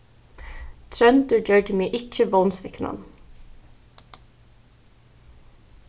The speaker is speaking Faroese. tróndur gjørdi meg ikki vónsviknan